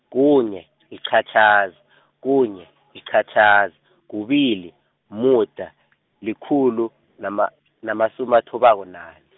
kunye, yiqhatjhazi, kunye yiqhatjhaza, kubili, umuda, likhulu, nama- namasumi athobako nane.